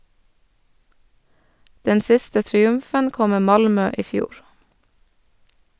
Den siste triumfen kom med Malmö i fjor.